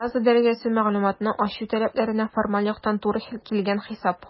«база дәрәҗәсе» - мәгълүматны ачу таләпләренә формаль яктан туры килгән хисап.